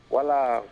Wala